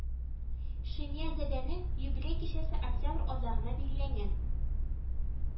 Шемья задәнең юбилей кичәсе октябрь азагына билгеләнгән